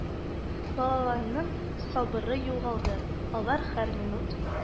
Балаларның сабыры югалды, алар һәр минут: